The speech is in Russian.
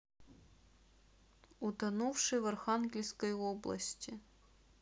утонувший в архангельской области